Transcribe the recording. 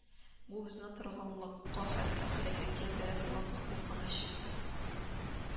Бу безне торгынлыкка, хәтта һәлакәткә этәрә торган зур куркыныч